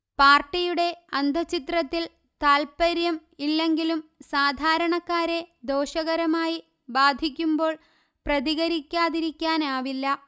പാർട്ടിയുടെ അന്തഃഛിദ്രത്തിൽ താല്പര്യം ഇല്ലെങ്കിലും സാധാരണക്കാരെ ദോഷകരമായി ബാധിക്കുമ്പോൾ പ്രതികരിക്കാതിരിക്കാനാവില്ല